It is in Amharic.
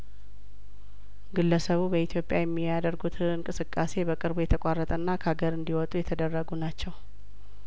ግለሰቡ በኢትዮጵያ የሚያደርጉት እንቅስቃሴ በቅርቡ የተቋረጠና ከአገር እንዲወጡ የተደረጉ ናቸው